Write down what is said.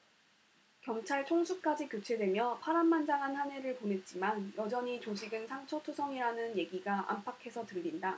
경찰 총수까지 교체되며 파란만장한 한 해를 보냈지만 여전히 조직은 상처 투성이라는 얘기가 안팎에서 들린다